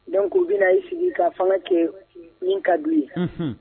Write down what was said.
Dɔnku k' u bɛna ii sigi ka fanga kɛ min ka du ye